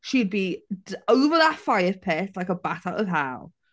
she'd be over that fire pit like a bat out of hell.